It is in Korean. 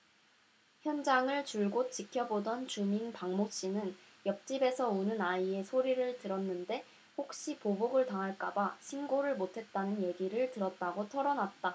현장을 줄곧 지켜보던 주민 박모씨는 옆집에서 우는 아이의 소리를 들었는데 혹시 보복을 당할까봐 신고를 못했다는 얘기를 들었다고 털어놨다